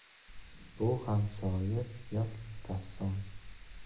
bu ham shoir yoki rassom